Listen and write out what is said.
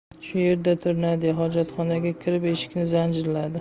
shu yerda tur nadya xojatxonaga kirib eshikni zanjirladi